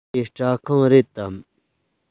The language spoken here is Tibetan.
དེ སྐྲ ཁང རེད དམ